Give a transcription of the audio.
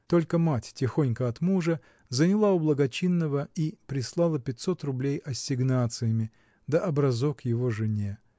только мать, тихонько от мужа, заняла у благочинного и прислала пятьсот рублей ассигнациями да образок его жене